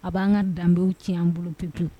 A b'an ka danbew tiɲɛ an bolo pewu pewu.